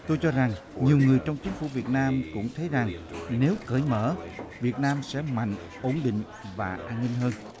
tôi cho rằng nhiều người trong chính phủ việt nam cũng thấy rằng nếu cởi mở việt nam sẽ mạnh ổn định và an ninh hơn